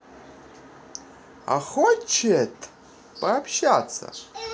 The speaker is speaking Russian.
а хочет общаться